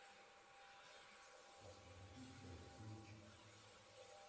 просто в раю делать нечего